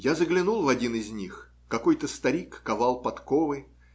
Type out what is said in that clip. я заглянул в один из них: какой-то старик ковал подковы.